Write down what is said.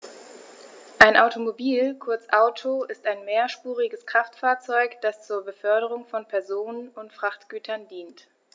Ein Automobil, kurz Auto, ist ein mehrspuriges Kraftfahrzeug, das zur Beförderung von Personen und Frachtgütern dient.